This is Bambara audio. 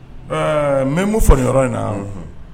Ɛɛ n bɛ min fɔ ni yɔrɔ in na